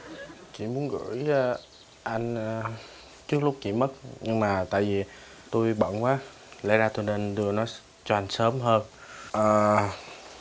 chỉ muốn gửi anh trước lúc chị mất nhưng mà tại vì tôi bận quá lẽ ra tôi nên đưa nó cho anh sớm hơn à